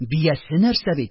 Биясе нәрсә бит